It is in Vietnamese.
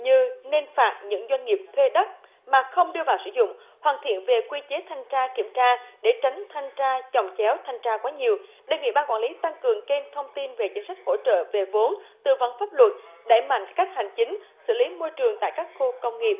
như nên phạt những doanh nghiệp thuê đất mà không đưa vào sử dụng hoàn thiện về quy chế thanh tra kiểm tra để tránh thanh tra chồng chéo thanh tra quá nhiều đơn vị ban quản lý tăng cường kênh thông tin về chính sách hỗ trợ về vốn tư vấn pháp luật đẩy mạnh cải cách hành chính xử lý môi trường tại các khu công nghiệp